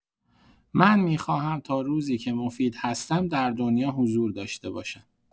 من می‌خواهم تا روزی که مفید هستم در دنیا حضور داشته باشم.